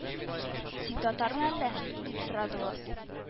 — син татармы әллә? — дип сорады ул